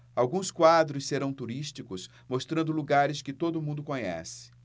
alguns quadros serão turísticos mostrando lugares que todo mundo conhece